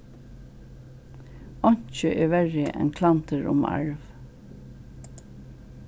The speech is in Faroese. einki er verri enn klandur um arv